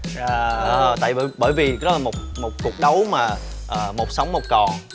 à tại bởi vì có một một cuộc đấu mà ờ một sống một còn